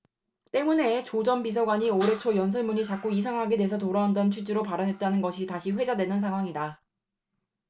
때문에 조 전 비서관이 올해 초 연설문이 자꾸 이상하게 돼서 돌아온다는 취지로 발언했다는 것이 다시 회자되는 상황이다